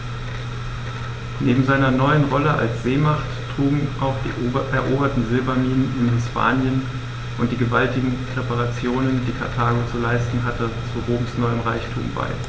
Neben seiner neuen Rolle als Seemacht trugen auch die eroberten Silberminen in Hispanien und die gewaltigen Reparationen, die Karthago zu leisten hatte, zu Roms neuem Reichtum bei.